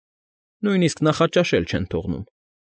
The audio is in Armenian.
Նույնիսկ նախաճաշել չեն թողնում։